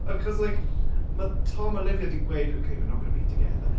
'Cause like mae Tom a Olivia 'di gweud Ok, we're not going to be together.